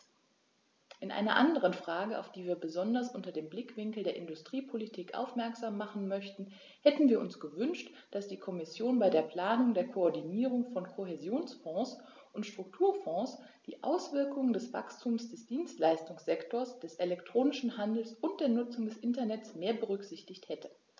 In einer anderen Frage, auf die wir besonders unter dem Blickwinkel der Industriepolitik aufmerksam machen möchten, hätten wir uns gewünscht, dass die Kommission bei der Planung der Koordinierung von Kohäsionsfonds und Strukturfonds die Auswirkungen des Wachstums des Dienstleistungssektors, des elektronischen Handels und der Nutzung des Internets mehr berücksichtigt hätte.